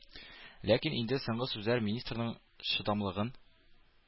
Ләкин инде соңгы сүзләр министрның чыдамлыгын